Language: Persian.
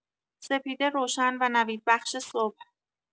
سپیده روشن و نویدبخش صبح